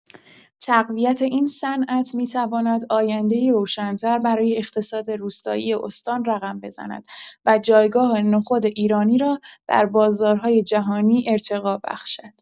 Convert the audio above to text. تقویت این صنعت می‌تواند آینده‌ای روشن‌تر برای اقتصاد روستایی استان رقم بزند و جایگاه نخود ایرانی را در بازارهای جهانی ارتقا بخشد.